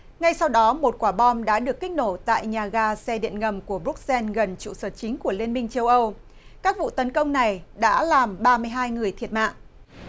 ngay sau đó một quả bom đã được kích nổ tại nhà ga xe điện ngầm của búc sen gần trụ sở chính của liên minh châu âu các vụ tấn công này đã làm ba mươi hai người thiệt mạng